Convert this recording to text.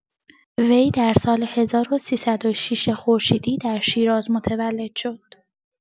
وی در سال ۱۳۰۶ خورشیدی در شیراز متولد شد.